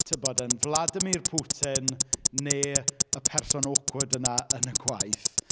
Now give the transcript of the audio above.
Tibod, yn Vladimir Putin neu y person awkward yna yn y gwaith.